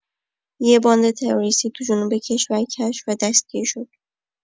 یه باند تروریستی تو جنوب کشور کشف و دستگیر شد.